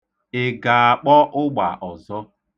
Ị ga-akpọ ụgba ọzọ?